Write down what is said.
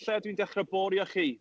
Lle dwi'n dechrau borio chi?